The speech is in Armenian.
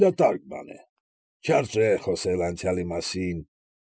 Դատարկ բան է։ Չարժե խոսել անցյալի մասին։